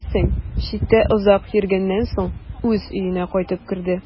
Әйтерсең, читтә озак йөргәннән соң үз өенә кайтып керде.